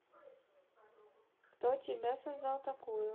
кто тебя создал такую